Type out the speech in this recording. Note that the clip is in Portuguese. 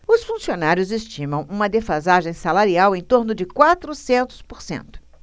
os funcionários estimam uma defasagem salarial em torno de quatrocentos por cento